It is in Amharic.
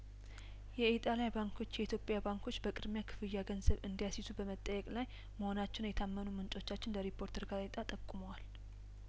የኢጣሊያባንኮች የኢትዮጵያ ባንኮች በቅድሚያክፍያገንዘብ እንዲያስ ይዙ በመጠየቅ ላይ መሆናቸውን የታመኑ ምንጮቻችን ለሪፖርተር ጋዜጣ ጠቁ መዋል